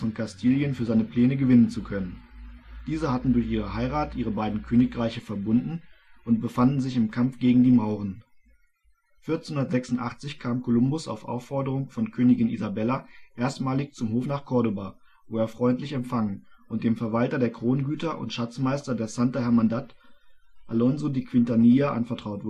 Kastilien für seine Pläne gewinnen zu können. Diese hatten durch ihre Heirat ihre beiden Königreiche verbunden und befanden sich im Kampf gegen die Mauren. 1486 kam Kolumbus auf Aufforderung von Königin Isabella erstmalig zum Hof nach Córdoba, wo er freundlich empfangen und vom Verwalter der Krongüter und Schatzmeister der santa hermandad Alonso de Quintanilla anvertraut